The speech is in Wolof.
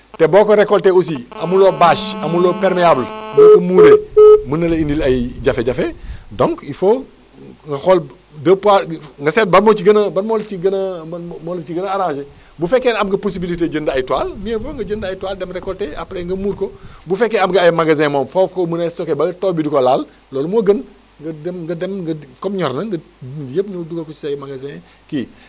te boo ko récolté aussi amuloo bâche amuloo perméable boo ko muuree mën na la indil ay jafe-jafe donc il faut nga xool é poids nga seet ban moo ci gën a ban moo la ci gën moo la ci gën a arrangé bu fekkee ne am na possibilité jënd ay toiles mieux vaut nga jënd ay toiles dem récolté après nga muur ko bu fekkee am nga ay magasin moom foo mën a stocké fra ba taw bi du ko laal loolu moo gën nga dem nga dem nga comme ñor na nga dindi yëpp ñëw dugal ko say magasin kii